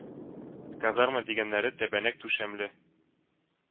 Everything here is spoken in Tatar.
Казарма дигәннәре тәбәнәк түшәмле,